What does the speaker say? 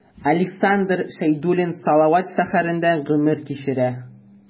Александр Шәйдуллин Салават шәһәрендә гомер кичерә.